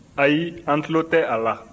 ayi an tulo tɛ a la